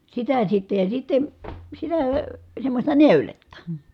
sitä sitten ja sitten sitä - semmoista neuletta